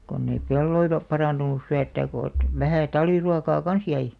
kun ei pelloilla parantunut syöttää kun että vähän talviruokaa kanssa jäi